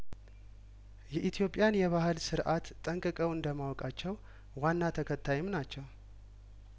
የኢትዮጵያን የባህል ስርአት ጠንቅቀው እንደማወቃቸው ዋና ተከታይም ናቸው